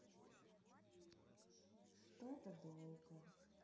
что то долго